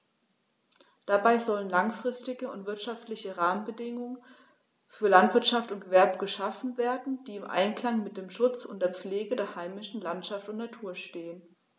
Dabei sollen langfristige und wirtschaftliche Rahmenbedingungen für Landwirtschaft und Gewerbe geschaffen werden, die im Einklang mit dem Schutz und der Pflege der heimischen Landschaft und Natur stehen.